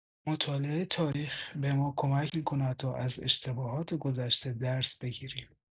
مطالعه تاریخ به ما کمک می‌کند تا از اشتباهات گذشته درس بگیریم.